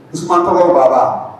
Sukɔrɔ baba